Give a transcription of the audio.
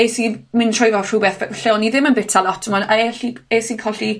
nes i mynd trwy fel rhwbeth be' lle o'n i ddim yn bita lot t'mo' e ell i, es i colli